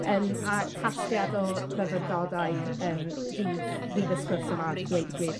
Yym a casgliad o fyfyrdodau yym fi fydd y sgwrs yma, dweud y gwir.